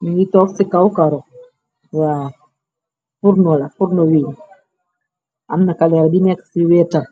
mi ngi toof ci kaw karo wa , furno wiñ amna kaleer di nekk ci weetal.